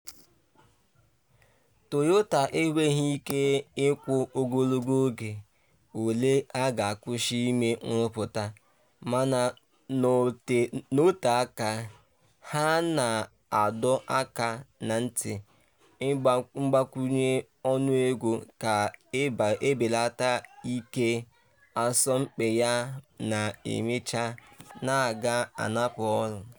Toyota enweghị ike ikwu ogologo oge ole a ga-akwụsị ime nrụpụta, mana n’ote aka, ha na-adọ aka na ntị mgbakwunye ọnụego ga-ebelata ike asompi ya na emechaa a ga-anapụ ọrụ.